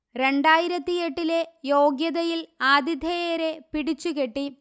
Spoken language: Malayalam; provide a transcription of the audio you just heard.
രണ്ടായിരത്തിയെട്ടിലെ യോഗ്യതയിൽ ആതിഥേയരെ പിടിച്ചു കെട്ടി